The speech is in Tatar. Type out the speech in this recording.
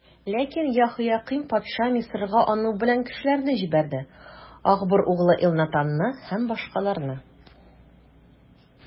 Ләкин Яһоякыйм патша Мисырга аның белән кешеләрне җибәрде: Ахбор углы Элнатанны һәм башкаларны.